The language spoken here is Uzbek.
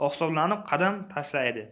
oqsoqlanib qadam tashlaydi